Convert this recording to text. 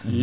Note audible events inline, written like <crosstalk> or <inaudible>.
<hesitation> <hesitation>